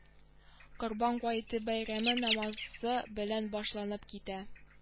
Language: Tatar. Корбан гаете бәйрәм намазы белән башланып китә